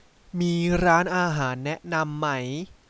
มีร้านอาหารแนะนำไหม